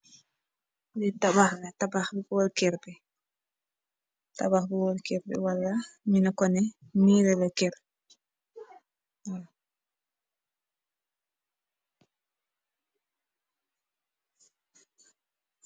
li tabax tabax bu woor keur bi tabax bu woor keur bi wala nu neh kone miri na keur bi.